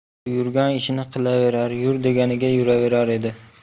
buyurgan ishini qilaverar yur deganiga yuraverar edi